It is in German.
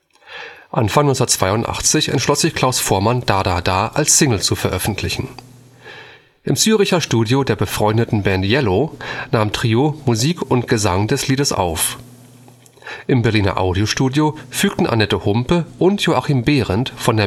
Anfang 1982 entschloss sich Klaus Voormann, Da Da Da als Single zu veröffentlichen. Im Züricher Studio der befreundeten Band Yello nahm Trio Musik und Gesang des Liedes auf. Im Berliner Audio-Studio fügten Annette Humpe und Joachim Behrendt von